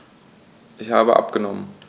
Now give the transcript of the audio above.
Ich habe abgenommen.